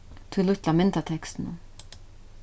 tí lítla myndatekstinum